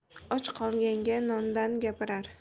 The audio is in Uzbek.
och qolgan nondan gapirar